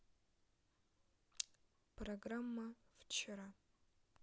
программа вчера